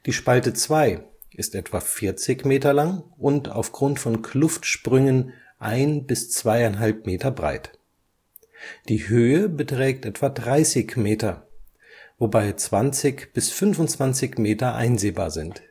Spalte 2 ist etwa 40 Meter lang und aufgrund von Kluftsprüngen ein bis zweieinhalb Meter breit. Die Höhe beträgt etwa 30 Meter, wobei 20 bis 25 Meter einsehbar sind